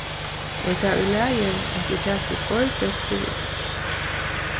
er tað í lagi at eg taki tveir gestir við